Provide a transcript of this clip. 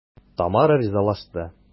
Тамара ризалашты.